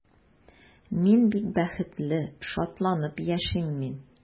Мин бик бәхетле, шатланып яшим мин.